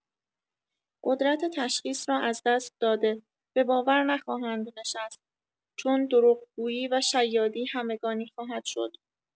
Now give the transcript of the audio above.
قدرت تشخیص را از دست داده، به باور نخواهند نشست، چون دروغگویی و شیادی همگانی خواهد شد.